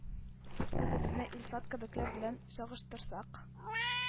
Үзебезне Илфат кебекләр белән чагыштырсак,